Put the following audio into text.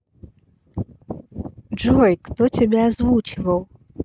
джой кто тебя озвучивал